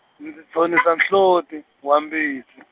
ndzi tshonisa nhloti, wa mbitsi.